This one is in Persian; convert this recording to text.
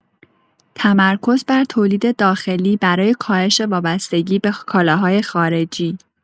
تمرکز بر تولید داخلی برای کاهش وابستگی به کالاهای خارجی